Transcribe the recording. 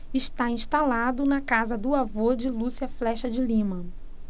está instalado na casa do avô de lúcia flexa de lima